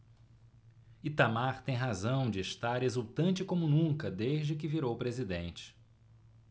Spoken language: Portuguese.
itamar tem razão de estar exultante como nunca desde que virou presidente